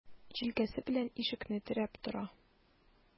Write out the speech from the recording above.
Җилкәсе белән ишекне терәп тора.